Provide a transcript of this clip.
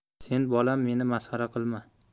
sen bola meni masxara qilma